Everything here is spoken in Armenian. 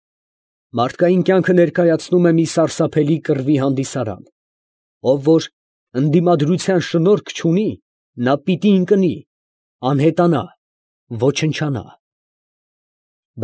Մարդկային կյանքը ներկայացնում է մի սարսափելի կռվի հանդիսարան, ով որ ընդդիմադրության շնորք չունի, նա պիտի ընկնի, անհետանա, ոչնչանա…։